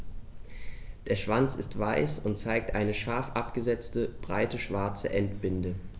Der Schwanz ist weiß und zeigt eine scharf abgesetzte, breite schwarze Endbinde.